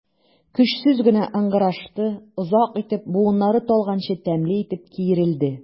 Көчсез генә ыңгырашты, озак итеп, буыннары талганчы тәмле итеп киерелде.